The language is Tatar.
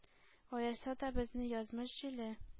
Аерса да безне язмыш җиле,